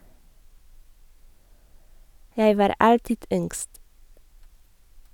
Jeg var alltid yngst.